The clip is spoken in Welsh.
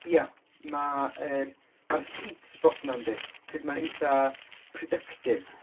Ie. Ma' yr, mae'r sweet spot 'na yndi? Achos mae'n eitha productive.